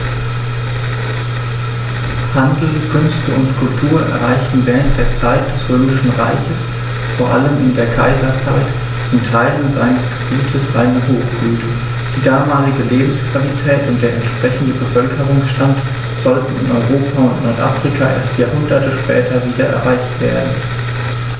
Handel, Künste und Kultur erreichten während der Zeit des Römischen Reiches, vor allem in der Kaiserzeit, in Teilen seines Gebietes eine Hochblüte, die damalige Lebensqualität und der entsprechende Bevölkerungsstand sollten in Europa und Nordafrika erst Jahrhunderte später wieder erreicht werden.